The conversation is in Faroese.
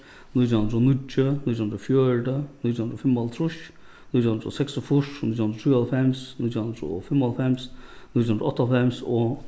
nítjan hundrað og níggju nítjan hundrað og fjøruti nítjan hundrað og fimmoghálvtrýss nítjan hundrað og seksogfýrs nítjan hundrað og trýoghálvfems nítjan hundrað og fimmoghálvfems nítjan hundrað og áttaoghálvfems og